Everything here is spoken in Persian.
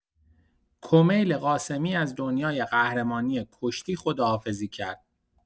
کمیل قاسمی از دنیای قهرمانی کشتی خداحافظی کرد.